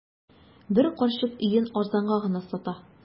Бер карчык өен арзанга гына сата.